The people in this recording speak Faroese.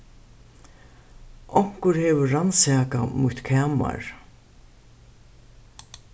onkur hevur rannsakað mítt kamar